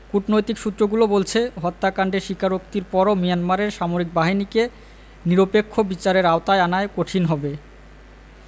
কূটনৈতিক সূত্রগুলো বলছে হত্যাকাণ্ডের স্বীকারোক্তির পরও মিয়ানমারের সামরিক বাহিনীকে নিরপেক্ষ বিচারের আওতায় আনায় কঠিন হবে